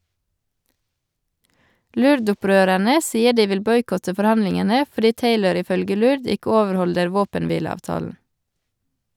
LURD-opprørerne sier de vil boikotte forhandlingene fordi Taylor ifølge LURD ikke overholder våpenhvileavtalen.